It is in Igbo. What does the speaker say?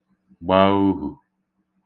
gbā ōhù